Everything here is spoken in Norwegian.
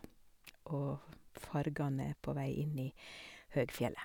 Og fargene er på vei inn i høgfjellet.